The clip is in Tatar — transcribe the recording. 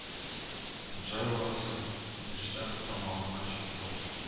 Унжа елгасы, инештән тамагына чаклы